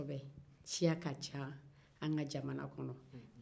siya ka ca an ka jamana kɔnɔ